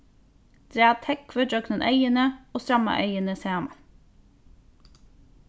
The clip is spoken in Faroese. drag tógvið gjøgnum eyguni og stramma eyguni saman